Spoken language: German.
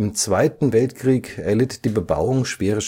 Zweiten Weltkrieg erlitt die Bebauung schwere